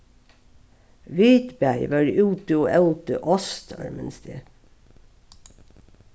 vit bæði vóru úti og ótu ost ørminnist eg